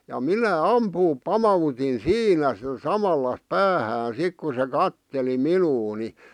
ja minä ampua pamautin siinä sitä samalla päähän sitten kun se katseli minua niin